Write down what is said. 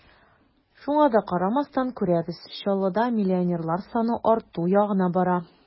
Шуңа да карамастан, күрәбез: Чаллыда миллионерлар саны арту ягына бара.